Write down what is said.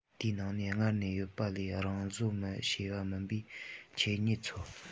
དེའི ནང ནས སྔར ནས ཡོད པ ལས རང བཟོ བྱས པ མིན པའི ཆོས ཉིད འཚོལ